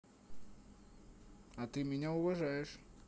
а ты меня уважаешь